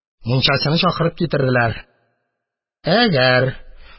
Мунчачыны чакырып китерделәр.